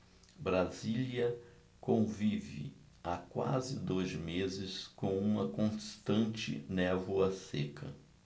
brasília convive há quase dois meses com uma constante névoa seca